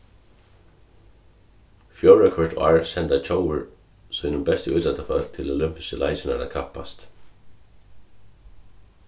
fjórða hvørt ár senda tjóðir síni bestu ítróttafólk til olympisku leikirnar at kappast